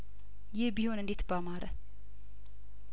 ይህ ቢሆን እንዴት ባማረ